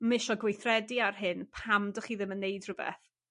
m'sio gweithredu ar hyn pam dych chi ddim yn wneud rhywbeth?